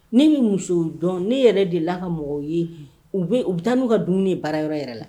Ni bi musow dɔn, ne yɛrɛ delila ka mɔgɔw ye, u bɛ taa n'u ka dumuni ye baara yɔrɔ yɛrɛ la.